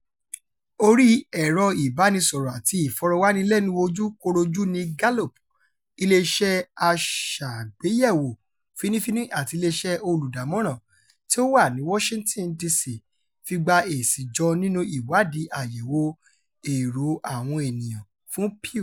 Orí ẹ̀rọ-ìbánisọ̀rọ̀ àti ìfọ̀rọ̀wánilẹ́nuwò ojúkorojú ni Gallup – iléeṣẹ́ aṣàgbéyẹ̀wò fínnífínní àti iléeṣẹ́ olùdámọ̀ràn tí ó wà ní Washington, DC fi gba èsì jọ nínú ìwádìí àyẹ̀wò èrò àwọn ènìyàn-an fún Pew.